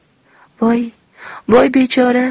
voy voy bechora